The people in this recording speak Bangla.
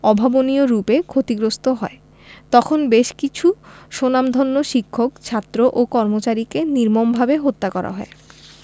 অভাবনীয়রূপে ক্ষতিগ্রস্ত হয় তখন বেশ কিছু স্বনামধন্য শিক্ষক ছাত্র ও কর্মচারীকে নির্মমভাবে হত্যা করা হয়